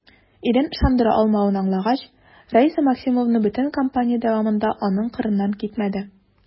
Ирен ышандыра алмавын аңлагач, Раиса Максимовна бөтен кампания дәвамында аның кырыннан китмәде.